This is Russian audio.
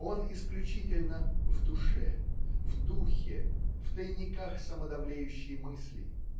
он исключительно - в душе, в духе, в тайниках самодовлеющей мысли.